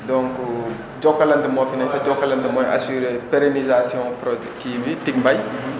donc Jokalante moo fi ne te Jokalante mooy assuré pérénisation projet kii bi Ticmbay